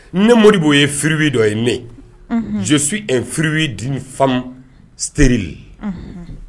Ne mori' ye fibi dɔ ye mɛn cɛ difa serili